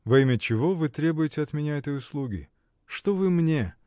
— Во имя чего вы требуете от меня этой услуги? Что вы мне?